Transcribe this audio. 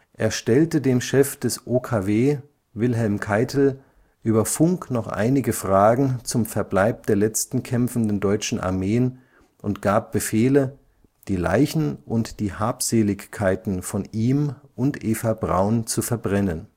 Er stellte dem Chef des OKW, Wilhelm Keitel, über Funk noch einige Fragen zum Verbleib der letzten kämpfenden deutschen Armeen und gab Befehle, die Leichen und die Habseligkeiten von ihm und Eva Braun zu verbrennen